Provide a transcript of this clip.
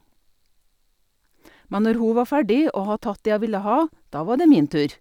Men når hun var ferdig og hadde tatt det hun ville ha, da var det min tur.